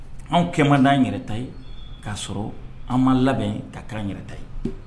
Anw kɛ'an yɛrɛ ta ye k'a sɔrɔ an ma labɛn ka kɛ yɛrɛ ta ye